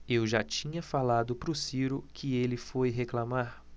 eu já tinha falado pro ciro que ele foi reclamar